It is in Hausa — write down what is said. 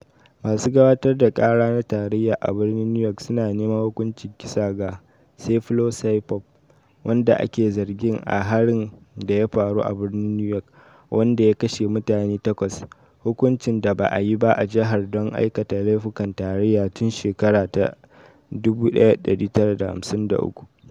Masu gabatar da kara na tarayya a birnin New York suna neman hukuncin kisa ga Sayfullo Saipov, wanda ake zargin a harin da ya faru a birnin New York, wanda ya kashe mutane takwas - hukuncin da ba a yi ba a jihar don aikata laifukan tarayya tun shekara ta 1953.